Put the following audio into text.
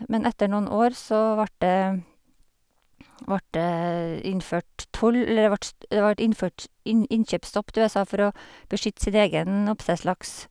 Men etter noen år så vart det vart det innført toll, eller det vart det vart innført inn innkjøpsstopp til USA for å beskytte sitt egen oppdrettslaks.